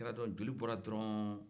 o kɛra dɔrɔn joli bɔra dɔrɔn